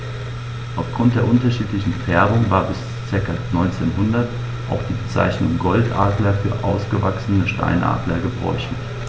Auf Grund der unterschiedlichen Färbung war bis ca. 1900 auch die Bezeichnung Goldadler für ausgewachsene Steinadler gebräuchlich.